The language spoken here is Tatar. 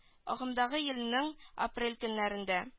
Агымдагы елның - апрель көннәрендә